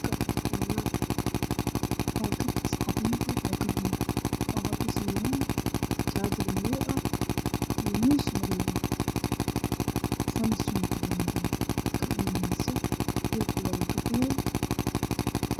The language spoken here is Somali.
Halkaan waxaa taalo baakad cadaan ah waxaa kusawiran jaajar madow oo samsom kuqoran tahay iyo miis madow dhulku waa kafay.